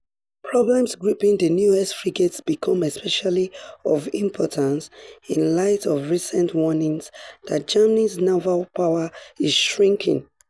Problems gripping the newest frigates become especially of importance in light of recent warnings that Germany's naval power is shrinking.